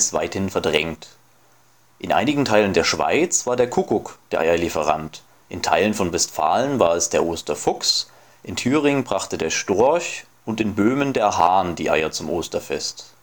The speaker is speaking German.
weithin verdrängt. In einigen Teilen der Schweiz war der Kuckuck der Eierlieferant, in Teilen von Westfalen war es der Osterfuchs, in Thüringen brachte der Storch und in Böhmen der Hahn die Eier zum Osterfest